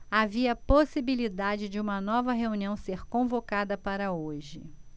havia possibilidade de uma nova reunião ser convocada para hoje